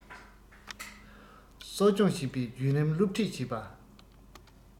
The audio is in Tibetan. གསོ སྐྱོང བྱེད པའི བརྒྱུད རིམ སློབ ཁྲིད བྱེད པ